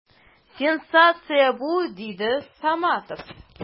Сенсация бу! - диде Саматов.